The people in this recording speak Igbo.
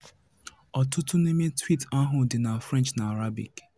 Ọtụtụ n'ime twiit ahụ dị na French na Arabic.